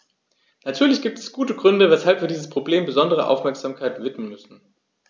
Natürlich gibt es gute Gründe, weshalb wir diesem Problem besondere Aufmerksamkeit widmen müssen.